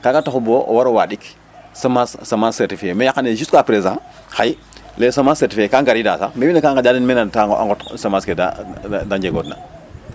kaaga taxu war o waag o waaɗik semence certifier mais yaqanee jusqu' à xay semence certifier kaa ngariidaa sax mais win we ga nqaƴaa men a ndeta nqot semence ke de ngeegoodna